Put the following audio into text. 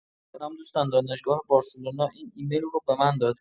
سلام دوستان دانشگاه بارسلونا این ایمیل رو به من داد.